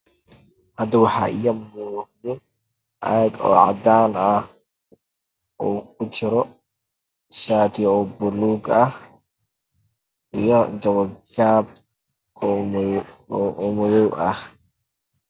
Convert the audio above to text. Hada waxaa ii muuqda caag cadaan oo ku jiro shati oo buluug ah iyo daba gaab oo madow ah